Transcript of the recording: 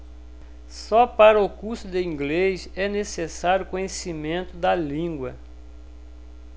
só para o curso de inglês é necessário conhecimento da língua